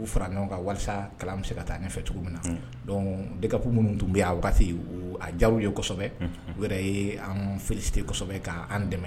U fara ɲɔgɔn kan walasa kalan bɛ se ka taa ne fɛ cogo min na dekulu minnu tun bɛ waati a jaw ye kosɛbɛ yɛrɛ ye fitesɛbɛ k'an dɛmɛ